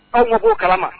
Aw mago ko kalama